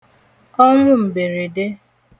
ọnwụ m̀bèrède